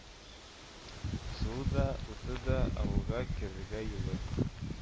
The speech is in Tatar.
Суы да, уты да, авылга керергә юлы